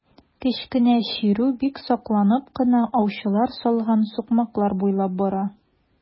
Кечкенә чирү бик сакланып кына аучылар салган сукмаклар буйлап бара.